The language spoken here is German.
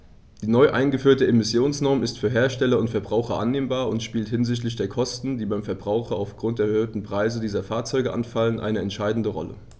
Die neu eingeführte Emissionsnorm ist für Hersteller und Verbraucher annehmbar und spielt hinsichtlich der Kosten, die beim Verbraucher aufgrund der erhöhten Preise für diese Fahrzeuge anfallen, eine entscheidende Rolle.